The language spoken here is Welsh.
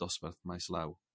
dosbarth maes law.